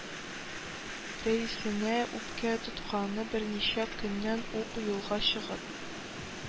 Рәисенә үпкә тотканы берничә көннән үк юлга чыгып